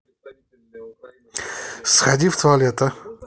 сходи в туалет